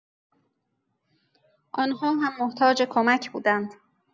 آن‌ها هم محتاج کمک بودند.